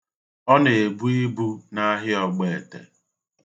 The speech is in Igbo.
Ọ na-ebu ibu n'ahịa Ogbete.